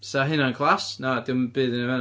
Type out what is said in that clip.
Fysai hynna'n class? Na, diom byd i wneud efo hynna.